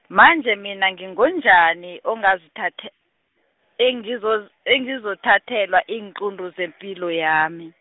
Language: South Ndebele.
manje mina ngingonjani ongazithathe-, engizoz- engizothathelwa iinqunto ngepilo yami.